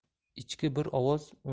ichki bir ovoz